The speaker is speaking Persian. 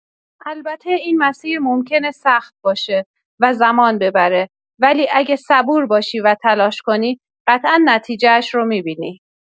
البته این مسیر ممکنه سخت باشه و زمان ببره، ولی اگه صبور باشی و تلاش کنی، قطعا نتیجه‌اش رو می‌بینی.